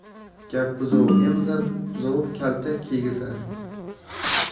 gap buzov emizar buzov kaltak yegizar